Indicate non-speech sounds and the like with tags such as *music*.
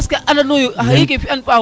*music* parce que anda yo ye o xeke fiyan paaxu